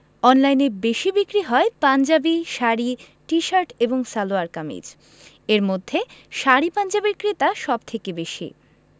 অনলাইনে বেশি বিক্রি হয় পাঞ্জাবি শাড়ি টি শার্ট এবং সালোয়ার কামিজ এর মধ্যে শাড়ি পাঞ্জাবির ক্রেতা সব থেকে বেশি